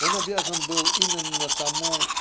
он обязан был именно тому